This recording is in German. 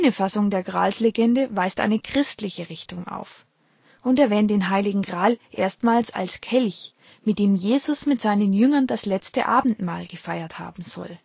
Fassung der Gralslegende weist eine christliche Richtung auf und erwähnt den Heiligen Gral erstmals als Kelch, mit dem Jesus mit seinen Jüngern das Letzte Abendmahl gefeiert haben soll